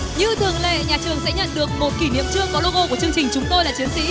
như thường lệ nhà trường sẽ nhận được một kỷ niệm chương có lô gô của chương trình chúng tôi là chiến sĩ